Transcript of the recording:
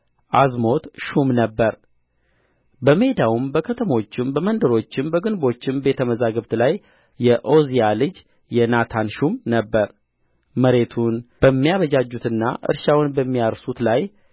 ዓዝሞት ሹም ነበረ በሜዳውም በከተሞችም በመንደሮችም በግንቦችም ቤተ መዛግብት ላይ የዖዝያ ልጅ ዮናታን ሹም ነበረ መሬቱን የሚያበጃጁትና እርሻውን በሚያርሱት ላይ